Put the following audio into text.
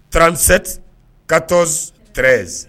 Transɛti katɔ t